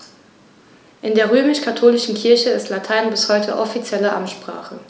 In der römisch-katholischen Kirche ist Latein bis heute offizielle Amtssprache.